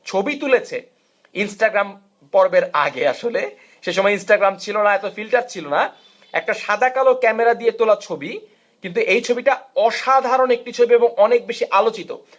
ছবি তুলেছে ইনস্টাগ্রাম পর্বের আগে আসলে তখন ইনস্টাগ্রাম ছিল না এত ফিল্টার ছিল না একটা সাদা কালো ক্যামেরা দিয়ে তোলা ছবি কিন্তু এই ছবিটা অসাধারন একটি ছবি এবং আলোচিত